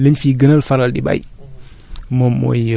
bu ñu seetloo liñ fiy gënal faral di bay